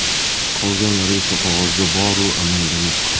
qolganlari esa qog'ozda bor u amalda yo'q